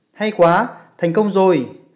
hay quá thành công rồi